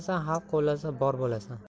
xalq qo'llasa bor bo'lasan